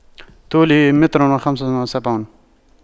طولي متر وخمس وسبعون